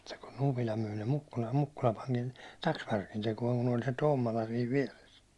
mutta kun Upila myi ne Mukkulalle Mukkula panikin taksvärkin tekoon kun oli se Tommola siinä vieressä